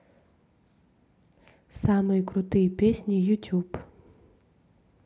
самые крутые песни ютюб